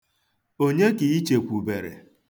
Onye ka i chekwubere?